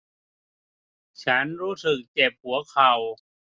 ฉันรู้สึกเจ็บหัวเข่า